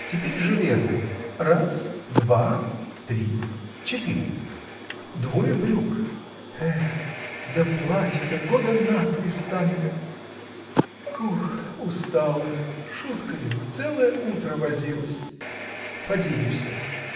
Теперь жилеты – раз, два, три, четыре. Двое брюк. Э! да платья-то года на три станет. Ух! устала! шутка ли: целое утро возилась! Поди, Евсей.